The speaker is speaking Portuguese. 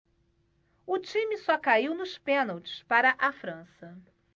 o time só caiu nos pênaltis para a frança